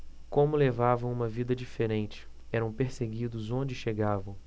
como levavam uma vida diferente eram perseguidos onde chegavam